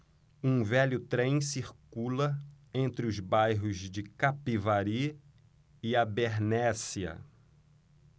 um velho trem circula entre os bairros de capivari e abernéssia